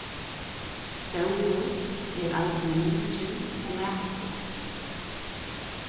stórur er eisini mikil og mætur